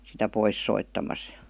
sitä pois soittamassa ja